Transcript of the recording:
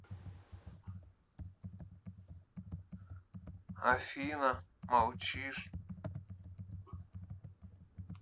афина молчишь